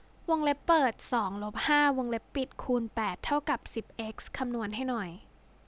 วงเล็บเปิดสองลบห้าวงเล็บปิดคูณแปดเท่ากับสิบเอ็กซ์คำนวณให้หน่อย